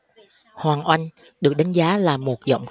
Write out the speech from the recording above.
hoàng oanh được đánh giá là một giọng